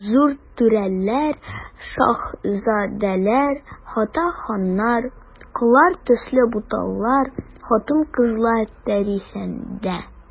Зур түрәләр, шаһзадәләр, хәтта ханнар, коллар төсле буталалар хатын-кызлар тирәсендә.